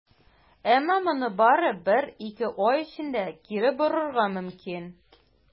Әмма моны бары бер-ике ай эчендә кире борырга мөмкин.